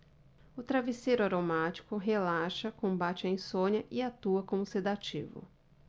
o travesseiro aromático relaxa combate a insônia e atua como sedativo